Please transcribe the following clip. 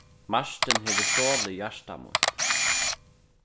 martin hevur stolið hjarta mítt